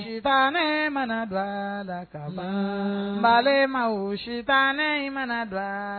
Taa ne manabila la ka faama ba ma sitan in manabila